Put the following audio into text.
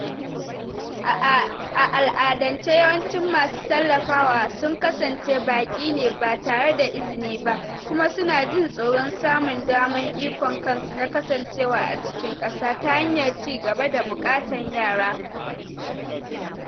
A al'adance, yawancin masu tallafawa sun kasance baƙi ne ba tare da izini ba, kuma su na jin tsoro samun daman ikon kansu na kasancewa a cikin ƙasa ta hanyar ci gaba da bukata yara.